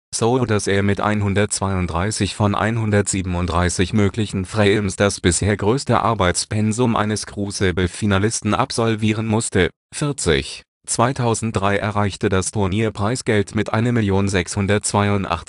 so dass er mit 132 von 137 möglichen Frames das bisher größte „ Arbeitspensum “eines Crucible-Finalisten absolvieren musste. 2003 erreichte das Turnierpreisgeld mit 1.682.900 £